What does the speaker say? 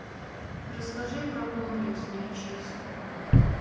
расскажи про комплексные числа